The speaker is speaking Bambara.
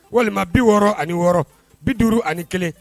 Walima 66 51